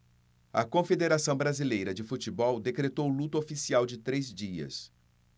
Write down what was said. a confederação brasileira de futebol decretou luto oficial de três dias